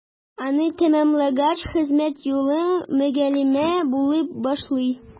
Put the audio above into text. Аны тәмамлагач, хезмәт юлын мөгаллимә булып башлый.